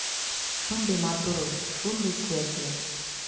Шундый матур ул, шундый куәтле.